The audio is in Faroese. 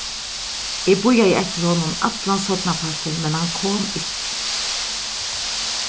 eg bíðaði eftir honum allan seinnapartin men hann kom ikki